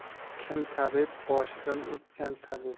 kim tabib boshidan o'tgan tabib